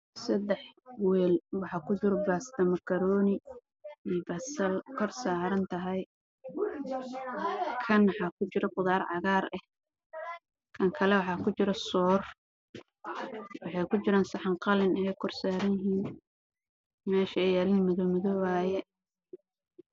Waa sadex weel oo ku jiro baasto makanooni midna waxaa ku jiro soor